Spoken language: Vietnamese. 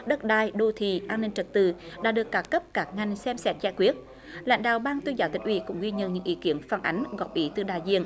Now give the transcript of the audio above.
đất đai đô thị an ninh trật tự đã được các cấp các ngành xem xét giải quyết lãnh đạo ban tuyên giáo tỉnh ủy cũng ghi nhận những ý kiến phản ánh góp ý từ đại diện